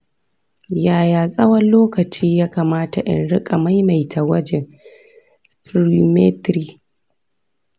yaya tsawon lokaci ya kamata in riƙa maimaita gwajin spirometry?